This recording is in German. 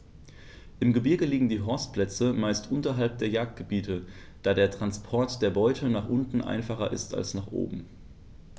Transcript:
Im Gebirge liegen die Horstplätze meist unterhalb der Jagdgebiete, da der Transport der Beute nach unten einfacher ist als nach oben.